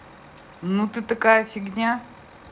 ну ты такая фигня